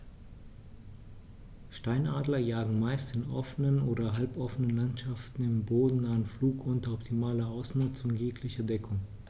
Steinadler jagen meist in offenen oder halboffenen Landschaften im bodennahen Flug unter optimaler Ausnutzung jeglicher Deckung.